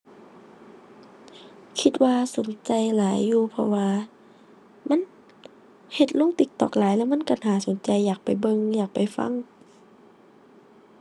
คิดว่าสนใจหลายอยู่ เพราะว่ามันเฮ็ดลง TikTok หลาย แล้วมันก็น่าสนใจ อยากไปเบิ่ง อยากไปฟัง